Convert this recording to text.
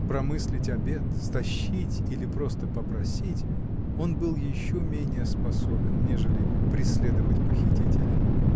Промыслить обед, стащить или просто попросить — он был еще менее способен, нежели преследовать похитителей.